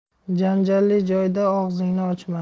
janjalli joyda og'zingni ochma